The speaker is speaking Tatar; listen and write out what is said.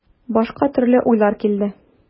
Башка төрле уйлар килде.